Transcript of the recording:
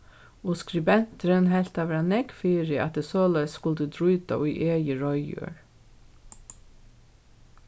og skribenturin helt tað vera nógv fyri at eg soleiðis skuldi dríta í egið reiður